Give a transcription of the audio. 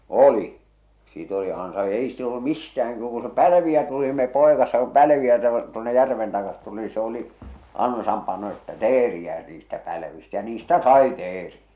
oli sitten oli - ei sitä ollut mistään kyllä kun se pälviä tuli no me paikassa kun pälviä taa tuonne järven taakse tuli se oli ansan pano että teeriä niistä pälvistä ja niistä sai teeriä